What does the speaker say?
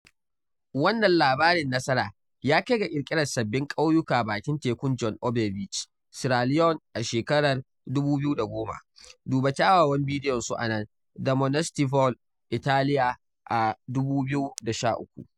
Wannan labarin nasara ya kai ga ƙirƙirar sabbin ƙauyuka bakin tekun John Obey Beach, Sierra Leone a shekarar 2010 (duba kyawawan bidiyonsu a nan) da Monestevole, Italiya a 2013.